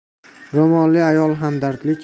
ro'molli ayol hamdardlik